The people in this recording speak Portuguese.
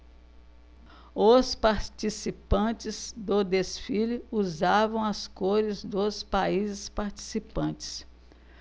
os participantes do desfile usavam as cores dos países participantes